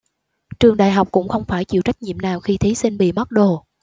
trường đại học cũng không phải chịu trách nhiệm nào khi thí sinh bị mất đồ